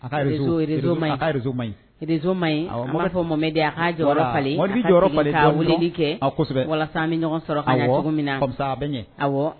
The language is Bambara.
Mana fɔ mɔmɛ kɛ kosɛbɛ bɛ ɲɔgɔn sɔrɔ